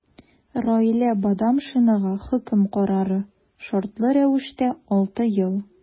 Раилә Бадамшинага хөкем карары – шартлы рәвештә 6 ел.